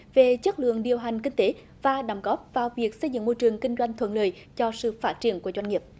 về chất lượng điều hành kinh tế và đóng góp vào việc xây dựng môi trường kinh doanh thuận lợi cho sự phát triển của doanh nghiệp